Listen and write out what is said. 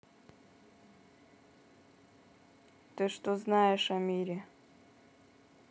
то что знаешь о мире